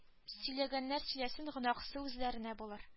Сөйләгәннәр сөйләсен гөнаһысы үзләренә булыр